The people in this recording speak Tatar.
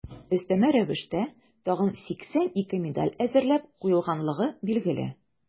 Өстәмә рәвештә тагын 82 медаль әзерләп куелганлыгы билгеле.